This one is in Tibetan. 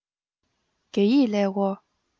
རྒྱ ཡིག ཀླད ཀོར